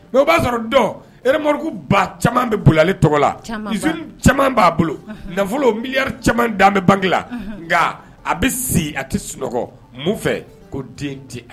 O o b'a sɔrɔ dɔn eremoriku ba caman bɛ bolili tɔgɔ la caman b'a bolo nafolo miliri caman da bɛ bange la nka a bɛ se a tɛ sunɔgɔ mun fɛ ko den tɛ